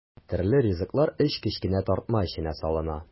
Төрле ризыклар өч кечкенә тартма эченә салына.